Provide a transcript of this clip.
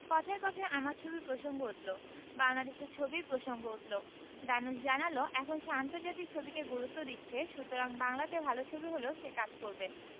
কথায় কথায় আমার ছবির প্রসঙ্গ উঠলো বাংলাদেশের ছবির প্রসঙ্গ উঠলো ধানুশ জানালো এখন সে আন্তর্জাতিক ছবিকে গুরুত্ব দিচ্ছে সুতরাং বাংলাতে ভালো ছবি হলেও সে কাজ করবে